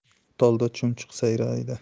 tolda chumchuq sayraydi